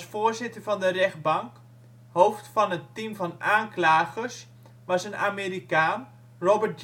voorzitter van de rechtbank. Hoofd van het team van aanklagers was een Amerikaan: Robert